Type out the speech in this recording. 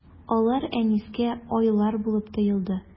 Алар Әнискә айлар булып тоелды.